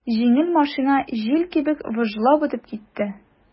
Җиңел машина җил кебек выжлап үтеп китте.